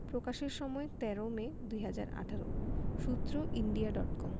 প্রকাশের সময় ১৩ মে ২০১৮ সূত্র ইন্ডিয়া ডট কম